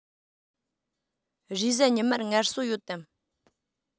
རེས གཟའ ཉི མར ངལ གསོ ཡོད དམ